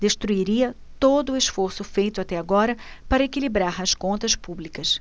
destruiria todo esforço feito até agora para equilibrar as contas públicas